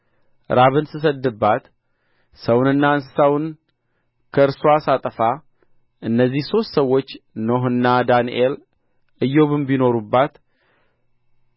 ራብን ስሰድድባት ሰውንና እንስሳውንም ከእርስዋ ሳጠፋ እነዚህ ሦስት ሰዎች ኖኅና ዳንኤል ኢዮብም ቢኖሩባት